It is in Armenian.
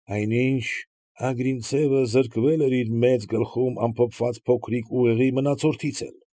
Այնինչ Ագրինցևը զրկվել էր իր մեծ գլխում անփոփված փոքրիկ ուղեղի մնացորդից էլ։